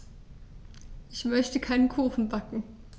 Ich möchte einen Kuchen backen.